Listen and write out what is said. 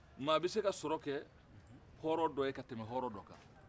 maa bɛ se ka sɔrɔ kɛ hɔrɔn dɔ ye ka tɛmɛ hɔrɔn dɔ kan